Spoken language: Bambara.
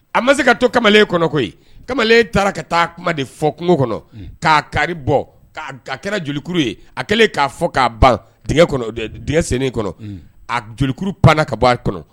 A ma se ka to kamalen kɔnɔko kamalen taara ka taa kuma de fɔ kungo kɔnɔ k'a kari bɔ k'a kɛra joli ye kɛlen k'a fɔ k'a ban denkɛ sen kɔnɔ a jolikuru pan ka bɔ a kɔnɔ